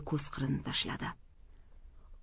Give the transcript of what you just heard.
ko'z qirini tashladi